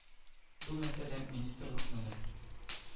Бу мәсьәлә министрлыкны да